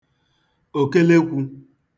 òkelekwū